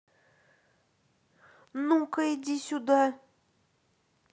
ну ка иди сюда